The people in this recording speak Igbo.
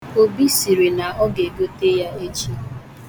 Obi sịrị na ọ ga-egote ya echi